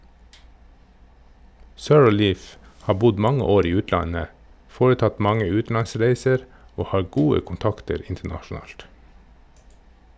Sirleaf har bodd mange år i utlandet, foretatt mange utenlandsreiser og har gode kontakter internasjonalt.